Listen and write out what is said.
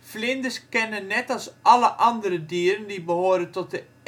Vlinders kennen net als alle andere dieren die behoren tot de